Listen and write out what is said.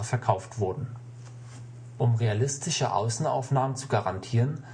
realistische Außenaufnahmen zu garantieren